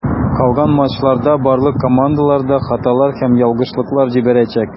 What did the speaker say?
Калган матчларда барлык командалар да хаталар һәм ялгышлыклар җибәрәчәк.